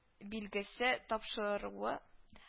Билгесе тапшыруы